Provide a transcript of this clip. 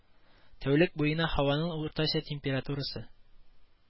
Тәүлек буена һаваның уртача температурасы